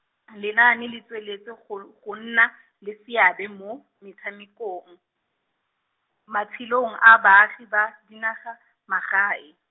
lenaane le tsweletse gor-, go nna, le seabe mo, metshamekong, matshelong a baagi ba, dinaga, magae.